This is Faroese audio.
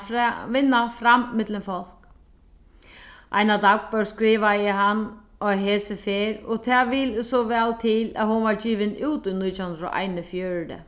vinna fram millum fólk eina skrivaði hann á hesi ferð og tað vil so væl til at hon var givin út í nítjan hundrað og einogfjøruti